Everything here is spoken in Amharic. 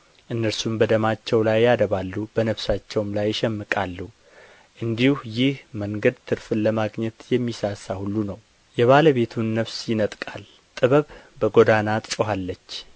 እነርሱም በደማቸው ላይ ያደባሉ በነፍሳቸውም ላይ ይሸምቃሉ እንዲሁ ይህ መንገድ ትርፍን ለማግኘት የሚሳሳ ሁሉ ነው የባለቤቱን ነፍስ ይነጥቃል ጥበብ በጎዳና ትጮኻለች